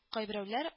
Кайберәүләр